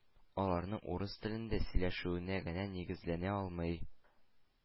Аларның урыс телендә сөйләшүенә генә нигезләнә алмый.